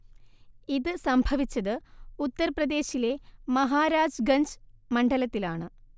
ഇത് സംഭവിച്ചത് ഉത്തർ പ്രദേശിലെ മഹാരാജ്ഗഞ്ച് മണ്ഡലത്തിലാണ്